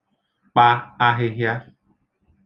kpa ahịhịa